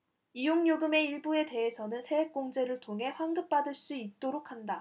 이용요금의 일부에 대해서는 세액공제를 통해 환급받을 수 있도록 한다